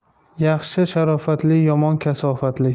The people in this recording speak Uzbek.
yaxshi sharofatli yomon kasofatli